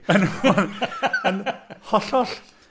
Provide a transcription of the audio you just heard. Yn yn holloll.